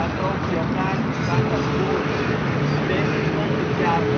Noviomagus Batavorum kreeg het rond het jaar